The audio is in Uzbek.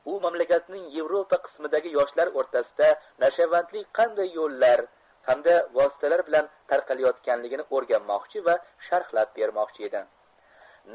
u mamlakatning yevropa qismidagi yoshlar o'rtasida nashavandlik qanday yo'llar hamda vositalar bilan tarqalayotganligini o'rganmoqchi va sharhlab bermoqchi edi